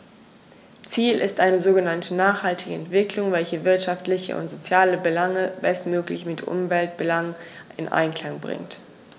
Ziel ist eine sogenannte nachhaltige Entwicklung, welche wirtschaftliche und soziale Belange bestmöglich mit Umweltbelangen in Einklang bringt.